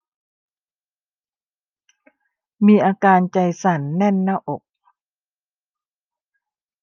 มีอาการใจสั่นแน่นหน้าอก